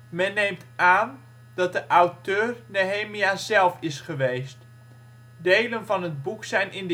Men neemt aan dat de auteur Nehemia zelf is geweest. Delen van het boek zijn in